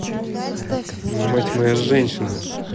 мать моя женщина